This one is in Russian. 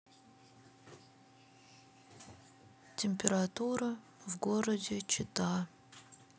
температура в городе чита